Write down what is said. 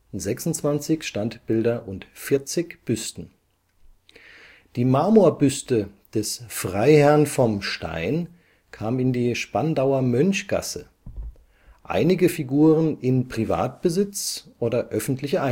26 Standbilder und 40 Büsten). Die Marmorbüste des Freiherrn vom Stein kam in die Spandauer Mönchgasse, einige Figuren in Privatbesitz oder öffentliche